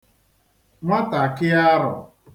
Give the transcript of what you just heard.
nwatàkịarọ̀